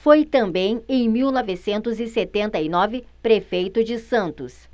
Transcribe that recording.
foi também em mil novecentos e setenta e nove prefeito de santos